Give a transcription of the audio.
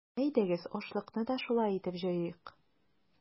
Әйдәгез, ашлыкны да шулай итеп җыйыйк!